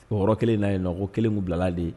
O yɔrɔ kelen na'a nɔ kelenw bilala de